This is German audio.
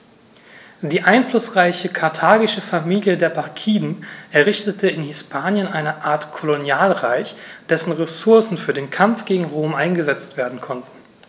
Die einflussreiche karthagische Familie der Barkiden errichtete in Hispanien eine Art Kolonialreich, dessen Ressourcen für den Kampf gegen Rom eingesetzt werden konnten.